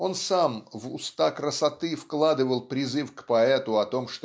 он сам в уста красоты вкладывал призыв к поэту о том